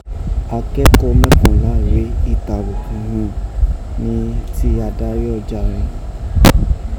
Akẹ́kọ̀ọ́ mọ́kànlá rèé ìtàbùkù họ̀n ní ti adarí ọjà rin.